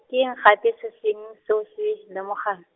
ke eng gape se sengwe se o se, lemogang?